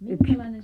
yksi